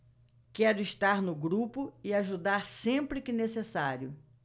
quero estar no grupo e ajudar sempre que necessário